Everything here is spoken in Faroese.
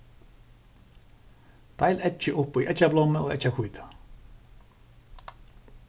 deil eggið upp í eggjablommu og eggjahvíta